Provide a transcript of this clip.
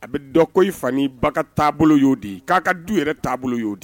A bɛ dɔ ko i fa ni ba ka taabolo y'o de ye . Ka ka du yɛrɛ taabolo yo de ye.